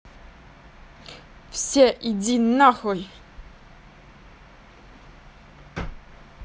все иди нахуй